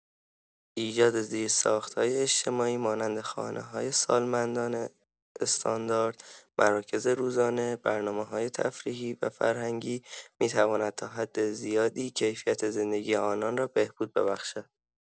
ایجاد زیرساخت‌های اجتماعی مانند خانه‌های سالمندان استاندارد، مراکز روزانه، برنامه‌‌های تفریحی و فرهنگی می‌تواند تا حد زیادی کیفیت زندگی آنان را بهبود ببخشد.